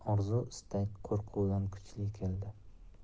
qo'rquvdan kuchli keldi